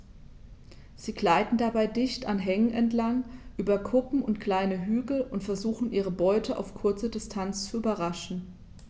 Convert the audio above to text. Sie gleiten dabei dicht an Hängen entlang, über Kuppen und kleine Hügel und versuchen ihre Beute auf kurze Distanz zu überraschen.